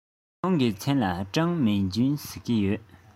ཁོང གི མཚན ལ ཀྲང མིང ཅུན ཞུ གི ཡོད རེད